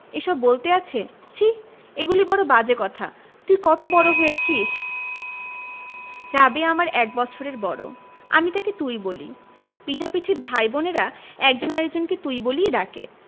এসব বলতে আছে ছিঃ এগুলি বড় বাজে কথা তুই কত বড় হয়েছিস রাবেয়া আমার এক বৎসরের বড় আমি তাকে তুই বলি পিঠাপিঠি ভাই বোনেরা একজন আরেক জনকে তুই বলেই ডাকে